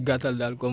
ñu tënkee ko noonu